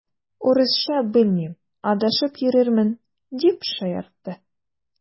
Урысча белмим, адашып йөрермен, дип шаяртты.